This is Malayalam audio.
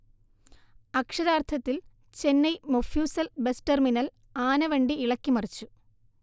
അക്ഷരാർഥത്തിൽ ചെന്നൈ മൊഫ്യൂസൽ ബസ് ടെർമിനൽ ആനവണ്ടി ഇളക്കി മറിച്ചു